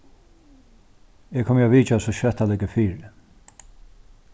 eg komi at vitja so skjótt tað liggur fyri